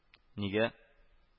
– нигә